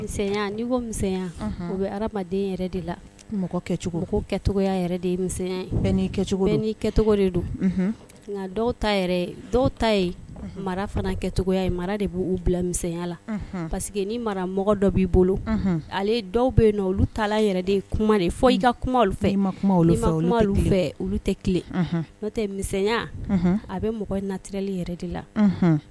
Yasɛnya u bɛ adamaden de la mɔgɔcogoya de nka dɔw ta dɔw ta mara fana kɛcogoya ye mara de b'u bila misɛnya la parceseke ni mara mɔgɔ dɔ b'i bolo ale dɔw bɛ yen ta yɛrɛ de kuma de fɔ i ka kuma fɛ i olu tɛ n'o tɛ misɛnya a bɛ mɔgɔ in natili yɛrɛ de la